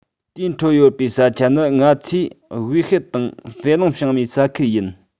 དེའི འཕྲོར ཡོད པའི ས ཆ ནི ང ཚོའི དབུས ཤར དང ཧྥེ གླིང བྱང མའི ས ཁུལ ཡིན